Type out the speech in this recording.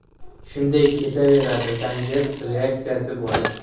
shunday ketaveradi zanjir reaktsiyasi bo'lib